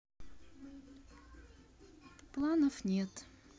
планов нет